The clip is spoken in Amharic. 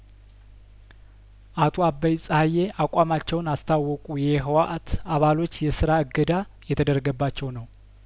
አቶ አባይጸሀዬ አቋማቸውን አስታወቁ የህወአት አባሎች የስራ እገዳ እየተደረገባቸው ነው